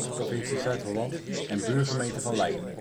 provincie Zuid-Holland en buurgemeente van Leiden